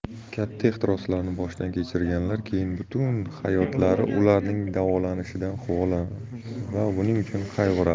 katta ehtiroslarni boshdan kechirganlar keyin butun hayotlari ularning davolanishidan quvonadi va buning uchun qayg'uradi